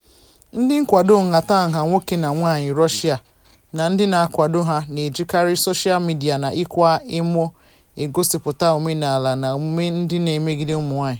Ndị nkwado nhatanha nwoke na nwaanyị Russia na ndị na-akwado ha na-ejikarị soshal midịa na ịkwa emo egosipụta omenala na omume ndị na-emegide ụmụnwaanyị.